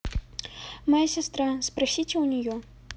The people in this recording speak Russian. моя сестра спросите у нее